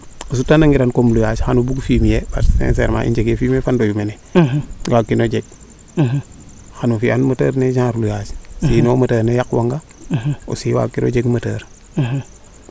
o suta ngiran comme luyaas xano bug fumier parce que sincement i njege fumier fa ndoyu mene waag kino jeg xano fiyan moteur ne genre luyaas si non moteur ne yaq wanga aussi waag kiro jeg moteur